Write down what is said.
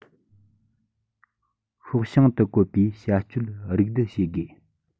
ཤོག བྱང དུ བཀོད པའི བྱ སྤྱོད རིགས སྡུད བྱེད དགོས